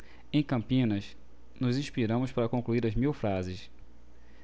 em campinas nos inspiramos para concluir as mil frases